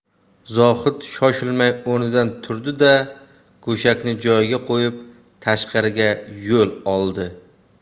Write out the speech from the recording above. zohid shoshilmay o'rnidan turdi da go'shakni joyiga qo'yib tashqariga yo'l oldi